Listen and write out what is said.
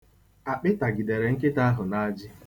Àkpị tagidere nkịta ahụ n'ajị.